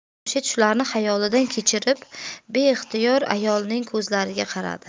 zohid shularni xayolidan kechirib beixtiyor ayolning ko'zlariga qaradi